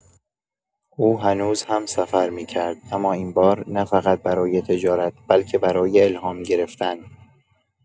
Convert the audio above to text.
او هنوز هم‌سفر می‌کرد، اما این بار، نه‌فقط برای تجارت بلکه برای الهام گرفتن.